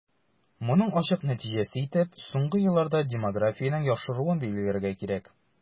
Моның ачык нәтиҗәсе итеп соңгы елларда демографиянең яхшыруын билгеләргә кирәк.